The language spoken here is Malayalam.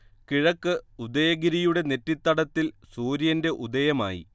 കിഴക്ക് ഉദയഗിരിയുടെ നെറ്റിത്തടത്തിൽ സൂര്യന്റെ ഉദയമായി